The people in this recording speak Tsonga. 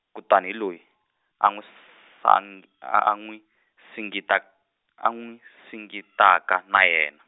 kutani hi loyi, a n'wi san-, a n'wi singita-, a n'wi singitaka na yena.